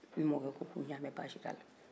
ne mɔkɛ ko n y'a mɛn baasi t'a la